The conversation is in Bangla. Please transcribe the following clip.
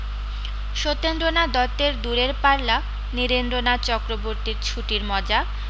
সত্যেন্দ্রনাথ দত্তের দূরের পাল্লা নীরেন্দ্রনাথ চক্রবর্তীর ছুটির মজা